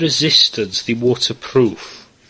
dim waterproof.